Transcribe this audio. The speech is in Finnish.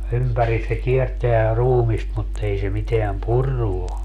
ympäri se kiertää ruumista mutta ei se mitään purrut ole